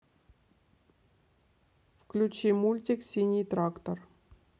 включи мультик синий трактор